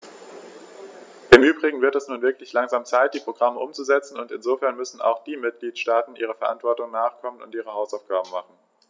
Im übrigen wird es nun wirklich langsam Zeit, die Programme umzusetzen, und insofern müssen auch die Mitgliedstaaten ihrer Verantwortung nachkommen und ihre Hausaufgaben machen.